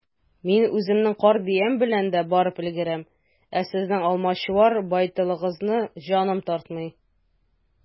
Мин үземнең карт биям белән дә барып өлгерәм, ә сезнең алмачуар байталыгызны җаным тартмый.